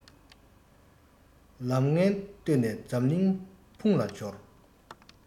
ལམ ངན བཏོད ནས འཛམ གླིང འཕུང ལ སྦྱོར